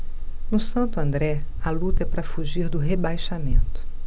no santo andré a luta é para fugir do rebaixamento